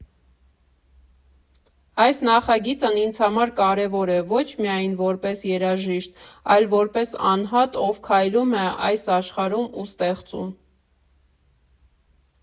Այս նախագիծն ինձ համար կարևոր է ոչ միայն որպես երաժիշտ, այլ որպես անհատ, ով քայլում է այս աշխարհում ու ստեղծում։